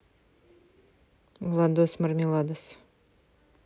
владос мармеладос